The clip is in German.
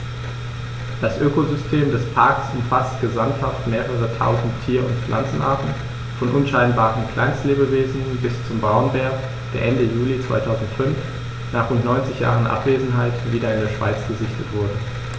Das Ökosystem des Parks umfasst gesamthaft mehrere tausend Tier- und Pflanzenarten, von unscheinbaren Kleinstlebewesen bis zum Braunbär, der Ende Juli 2005, nach rund 90 Jahren Abwesenheit, wieder in der Schweiz gesichtet wurde.